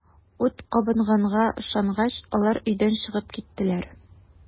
Ут кабынганга ышангач, алар өйдән чыгып киттеләр.